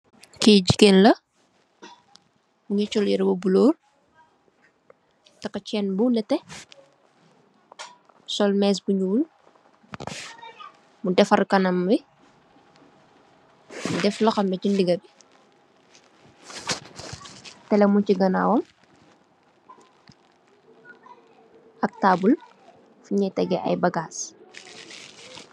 Ki jigeen lah, mungi sol yireh bu buleuh, taka cheen bu neteh, sol mees bu ñuul, mu defar kanam bi, def loxom bi chi ndigam bi, kale mungi chi ganaawam, ak taabul, fiñee tegee aye bagaas.